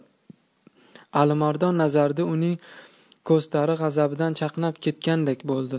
alimardonning nazarida uning ko'zlari g'azabdan chaqnab ketgandek bo'ldi